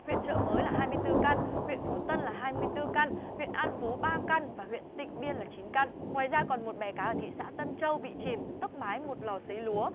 huyện chợ mới là hai mươi tư can huyện phú tân là hai mươi tư căn huyện an phú ba căn và huyện tịnh biên là chín con ngoài ra còn một bè cá ở thị xã tân châu bị chìm tốc mái một lò sấy lúa